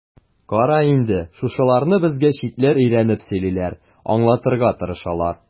Кара инде, шушыларны безгә читләр өйрәнеп сөйлиләр, аңлатырга тырышалар.